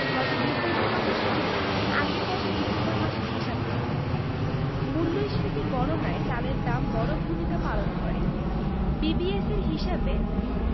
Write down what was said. গত ডিসেম্বর মাসের সঙ্গে আগের বছরের ডিসেম্বর মাসের হিসাব করা হয় মূল্যস্ফীতি গণনায় চালের দাম বড় ভূমিকা পালন করে বিবিএসের হিসাবে